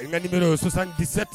I bɛ nine o sisansantipti